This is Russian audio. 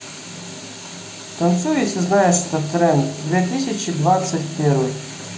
танцуй если знаешь этот тренд две тысячи двадцать первый